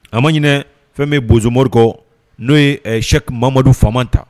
A man ɲinɛ fɛn mi ye bozo mori kɔ no ye Sɛki Mamadu famanta